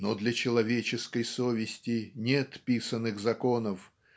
"Но для человеческой совести нет писаных законов